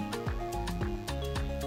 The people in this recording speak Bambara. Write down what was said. Sangɛnin yo